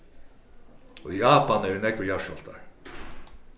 í japan eru nógvir jarðskjálvtar